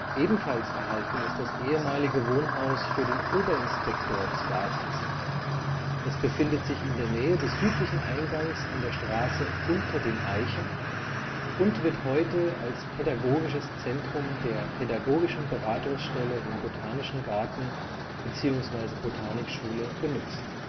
Ebenfalls erhalten ist das ehemalige Wohnhaus für den Oberinspektor des Gartens. Es befindet sich in der Nähe des südlichen Eingangs an der Straße Unter den Eichen und wird heute als Pädagogisches Zentrum (Pädagogische Beratungsstelle im Botanischen Garten / Botanikschule) genutzt